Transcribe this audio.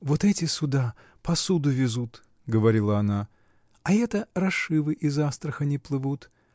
— Вот эти суда посуду везут, — говорила она, — а это расшивы из Астрахани плывут.